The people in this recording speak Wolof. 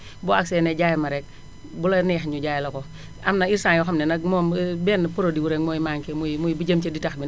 boo àgsee ne jaay ma rekk bu la neex ñu jaay la ko am na instant yoo xam ne nag moom benn produit rekk mooy manqué muy muy bu jëm ci ditax bi